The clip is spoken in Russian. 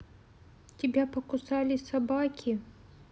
тебя покусали собаки